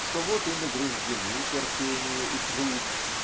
что вот и награждены терпение и труд